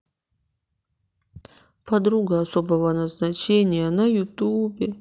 подруга особого назначения на ютюбе